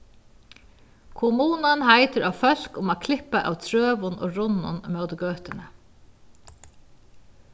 kommunan heitir á fólk um at klippa av trøum og runnum ímóti gøtuni